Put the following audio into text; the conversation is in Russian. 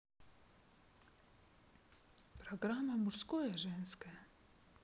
программа мужское женское